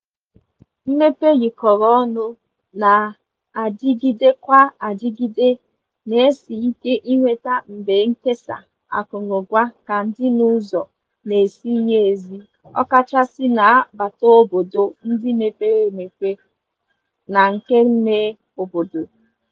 Mmepe yikọrọ ọnụ na na-adigidekwa adigide na-esi ike inweta mgbe nkesa akụrụngwa ka dị n'ụzọ na-ezighi ezi, ọkachasị n'agbata obodo ndị mepere emepe na nke ime obodo.